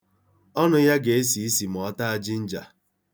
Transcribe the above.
Ọnụ ya ga-esi isi ma ọ taa jinja.